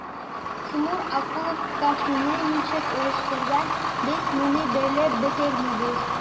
Тимур Акулов качуны ничек оештырган, без моны белеп бетермибез.